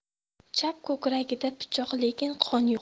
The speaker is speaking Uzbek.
chap ko'kragida pichoq lekin qon yo'q